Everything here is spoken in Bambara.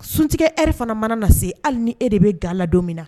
Suntigi fana mana na se hali ni e de bɛ gala don min na